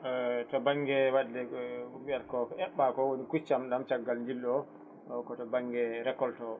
eyi to banggue wadde ko ɓe mbiyata ko ko eɓɓa ko woni kuccam ɗam caggal jillu o ko to banggue récolte o